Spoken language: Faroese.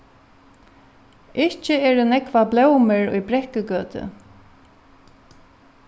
ikki eru nógvar blómur í brekkugøtu